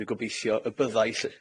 Dwi'n gobeithio y bydda' i lly.